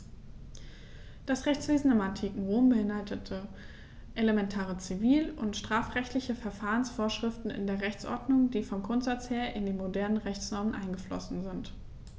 Das Rechtswesen im antiken Rom beinhaltete elementare zivil- und strafrechtliche Verfahrensvorschriften in der Rechtsordnung, die vom Grundsatz her in die modernen Rechtsnormen eingeflossen sind.